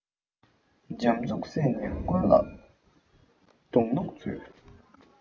འཇམ རྩུབ བསྲེས ནས ཀུན ལ འདོང ལུགས མཛོད